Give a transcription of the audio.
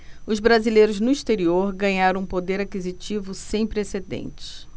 os brasileiros no exterior ganharam um poder aquisitivo sem precedentes